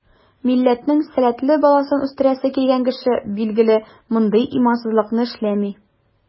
Милләтнең сәләтле баласын үстерәсе килгән кеше, билгеле, мондый имансызлыкны эшләми.